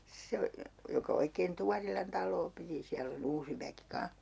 se on joka oikein Tuorilan taloa piti siellä on uusi väki kanssa